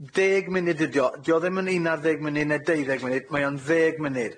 deg munud ydi o. 'Di o ddim yn unarddeg munud ne deuddeg munud mae o'n ddeg munud.